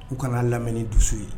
U kana'a lamɛn ni dusu ye